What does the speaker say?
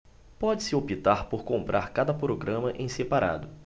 pode-se optar por comprar cada programa em separado